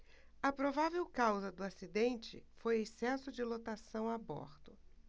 a provável causa do acidente foi excesso de lotação a bordo